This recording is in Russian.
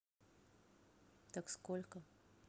так сколько